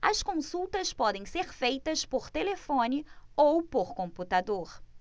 as consultas podem ser feitas por telefone ou por computador